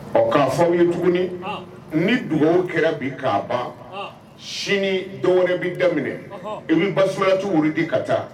Ɔ k'a fɔw ye tuguni ni dugaw kɛra bi k'a ban sini dɔgɔnin bɛ daminɛ i bɛ bassumayatu w di ka taa